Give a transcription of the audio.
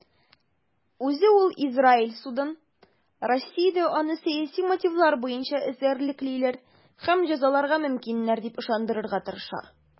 Үзе ул Израиль судын Россиядә аны сәяси мотивлар буенча эзәрлеклиләр һәм җәзаларга мөмкиннәр дип ышандырырга тырыша.